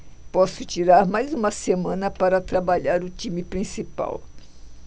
posso tirar mais uma semana para trabalhar o time principal